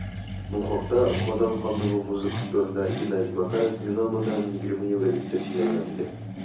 Бу хакта - Казан ханлыгы музыкасы турында - Геннадий Макаров миңа моннан 20 ел элек тә сөйләгән иде.